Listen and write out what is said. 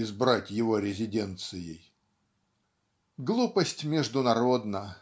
избрать его резиденцией". Глупость международна.